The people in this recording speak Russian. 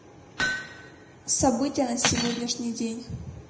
события на сегодняшний день